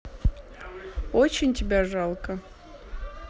очень тебя жалко